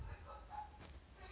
кораблино мультяжный год